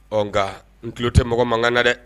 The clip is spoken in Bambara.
Ɔ nka n tulo tɛ mɔgɔ mankanga na dɛ